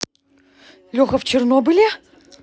леха в чернобыле